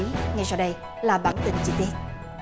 ngay sau đây là bản tin